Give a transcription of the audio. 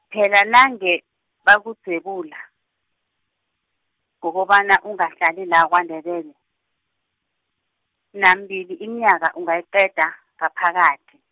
phela nange, bakudzwebula, ngokobana ungahlali la kwaNdebele, namibili iminyaka ungayiqeda, ngaphakathi.